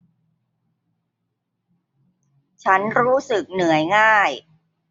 ฉันรู้สึกเหนื่อยง่าย